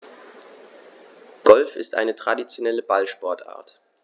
Golf ist eine traditionelle Ballsportart.